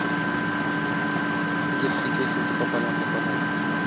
детские песенки по полям по полям